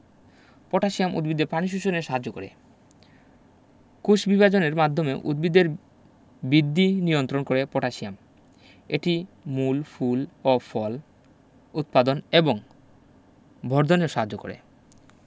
potassium উদ্ভিদে পানি শোষণে সাহায্য করে কোষবিভাজনের মাধ্যমে উদ্ভিদের বৃদ্ধি নিয়ন্ত্রণ করে পটাশিয়াম এটি মূল ফুল ও ফল উৎপাদন এবং বর্ধনেও সাহায্য করে